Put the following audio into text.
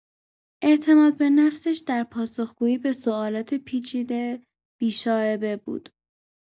اعتماد به نفسش در پاسخ‌گویی به سوالات پیچیده بی‌شائبه بود.